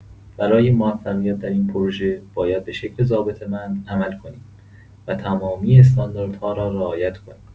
برای موفقیت در این پروژه باید به شکل ضابطه‌مند عمل کنیم و تمامی استانداردها را رعایت کنیم.